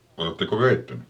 oletteko keittänyt